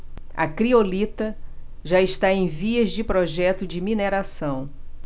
a criolita já está em vias de projeto de mineração